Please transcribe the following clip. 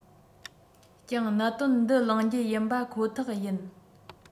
ཀྱང གནད དོན འདི གླེང རྒྱུ ཡིན པ ཁོ ཐག ཡིན